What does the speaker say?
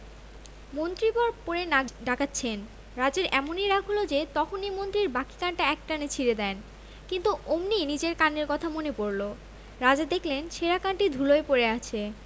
মন্ত্রীবর পড়ে পড়ে নাক ডাকাচ্ছেন রাজার এমনি রাগ হল যে তখনি মন্ত্রীর বাকি কানটা এক টানে ছিড়ে দেন কিন্তু অমনি নিজের কানের কথা মনে পড়ল রাজা দেখলেন ছেঁড়া কানটি ধূলায় পড়ে আছে